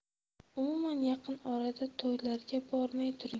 umuman yaqin orada to'ylarga bormay turing